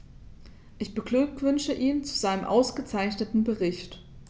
Ich beglückwünsche ihn zu seinem ausgezeichneten Bericht.